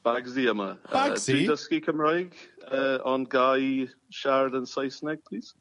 Bagsi yma. Bagsi? Yy dwi'n dysgu Cymraeg. Yy ond gai siarad yn Saesneg plîs?